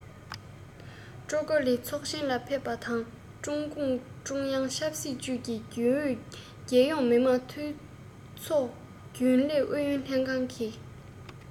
ཀྲང ཀའོ ལི ཚོགས ཆེན ལ ཕེབས པ དང ཀྲུང གུང ཀྲུང དབྱང ཆབ སྲིད ཅུས ཀྱི རྒྱུན ཨུ རྒྱལ ཡོངས མི དམངས འཐུས ཚོགས རྒྱུན ལས ཨུ ཡོན ལྷན ཁང གི